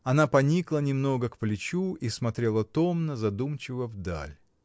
Она поникла немного к плечу и смотрела томно, задумчиво вдаль.